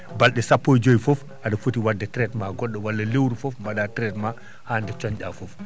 balɗe sappo e joyi fof aɗa foti waɗde traitement goɗɗo walla lewru fof mbaɗaa traitement haa nde cooñɗaa fof